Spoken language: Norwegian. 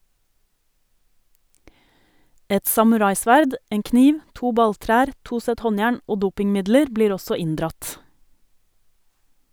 Et samuraisverd, en kniv , to balltrær, to sett håndjern og dopingmidler blir også inndratt.